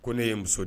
Ko ne ye muso ye